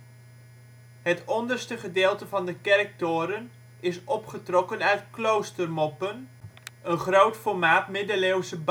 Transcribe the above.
onderste gedeelte van de kerktoren is opgetrokken uit kloostermoppen, een groot formaat middeleeuwse